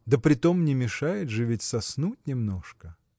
Да притом не мешает же ведь соснуть немножко.